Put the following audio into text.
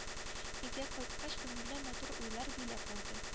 Өйгә кайткач күңелне матур уйлар биләп алды